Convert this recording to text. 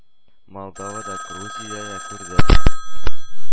Молдовада, Грузиядә дә күрдек.